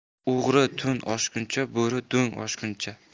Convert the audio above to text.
o'g'ri tun oshguncha bo'ri do'ng oshguncha